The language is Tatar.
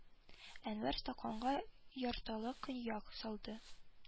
Әнвәр стаканга яртылаш коньяк салды